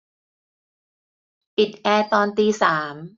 ปิดแอร์ตอนตีสาม